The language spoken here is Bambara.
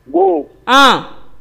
Ko a